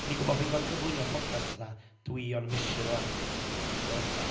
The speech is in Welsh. O'n i'n gwybod bod fi'n gorfod cyflwyno'r podcast, fatha dwi on a mission ŵan i ffeindio'r ateb,